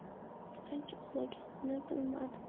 qancha uxlaganini bilmadi